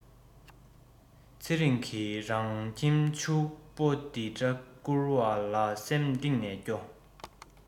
ཚེ རིང གི རང ཁྱིམ ཕྱུག པོ འདི འདྲ བསྐུར བ ལ སེམས གཏིང ནས སྐྱོ